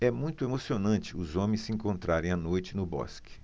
é muito emocionante os homens se encontrarem à noite no bosque